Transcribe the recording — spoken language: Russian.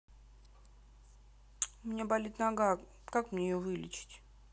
у меня болит нога как мне ее вылечить